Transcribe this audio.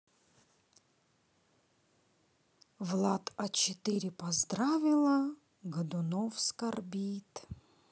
влад а четыре поздравила годунов скорбит